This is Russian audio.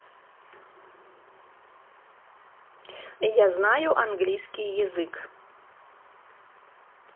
я знаю английский язык